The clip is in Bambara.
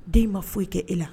Den ma foyi kɛ e la.